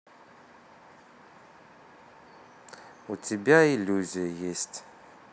у тебя иллюзия есть